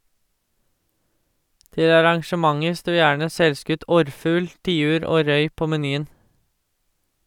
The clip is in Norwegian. Til arrangementer står gjerne selvskutt orrfugl, tiur og røy på menyen.